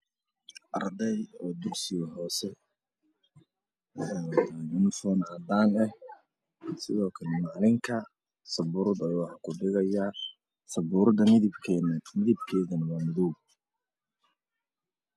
Cali muuqda arday fadhiso fasalka waxaa wax u dhigaya macalin waxa uu dhigayaa saynis maalinka wax dhigiisa uu wataa fanaanad buluuga ah ardadana sharar cadaan ah